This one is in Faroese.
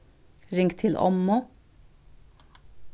ring til ommu